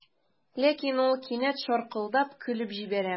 Ләкин ул кинәт шаркылдап көлеп җибәрә.